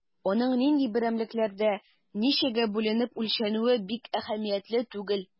Аның нинди берәмлекләрдә, ничәгә бүленеп үлчәнүе бик әһәмиятле түгел.